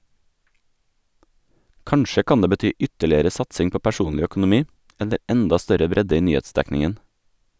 Kanskje kan det bety ytterligere satsing på personlig økonomi, eller enda større bredde i nyhetsdekningen.